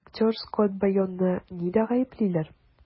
Актер Скотт Байоны нидә гаеплиләр?